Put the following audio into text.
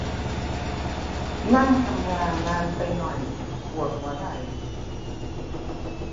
นั่งทำงานนานไปหน่อยปวดหัวไหล่